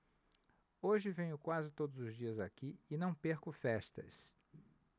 hoje venho quase todos os dias aqui e não perco festas